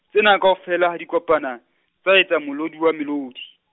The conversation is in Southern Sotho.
tsena kaofela, ha di kopana, tsa etsa molodi wa melodi.